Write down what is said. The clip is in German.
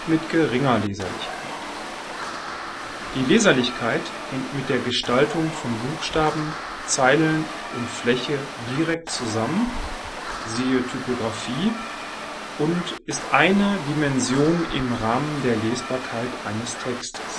geringer Leserlichkeit. Die Leserlichkeit hängt mit der Gestaltung von Buchstaben, Zeilen und Fläche direkt zusammen (Typografie) und ist eine Dimension im Rahmen der Lesbarkeit eines Textes